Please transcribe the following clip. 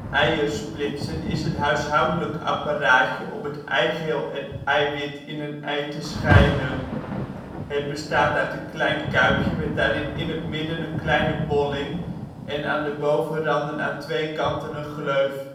eiersplitser is een huishoudelijk apparaatje om het eigeel en eiwit in een ei te scheiden. Het bestaat uit een klein kuipje met daarin in het midden een kleine bolling, en aan de bovenranden aan twee kanten een gleuf